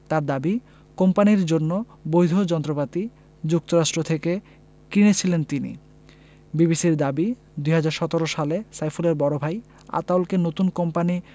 তাঁর দাবি কোম্পানির জন্য বৈধ যন্ত্রপাতি যুক্তরাষ্ট্র থেকে কিনেছিলেন তিনি বিবিসির দাবি ২০১৭ সালে সাইফুলের বড় ভাই আতাউলকে নতুন কোম্পানি